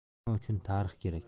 nima uchun tarix kerak